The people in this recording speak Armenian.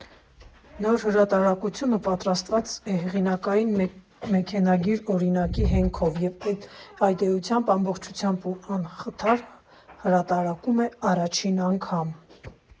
Նոր հրատարակությունը պատրաստված է հեղինակային մեքենագիր օրինակի հենքով, և, ըստ էության, ամբողջությամբ ու անխաթար հրատարակվում է առաջին անգամ։